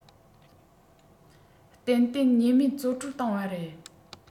ཏན ཏན ཉེས མེད བཙོན འགྲོལ བཏང བ རེད